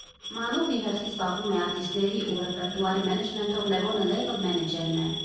Մանուկն իր հերթին զբաղվում է արտիստների ու ռեպերտուարի մենեջմենթով, Լևոնը լեյբլ մենեջերն է։